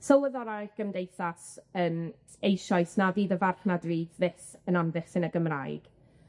Sylweddolai'r gymdeithas yym eisoes na fydd y farchnad rydd fyth yn amddiffyn y Gymraeg,